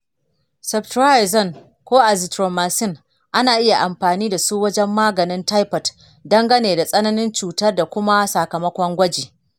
ceftriaxone ko azithromycin ana iya amfani da su wajen maganin taifot, dangane da tsananin cutar da kuma sakamakon gwaji.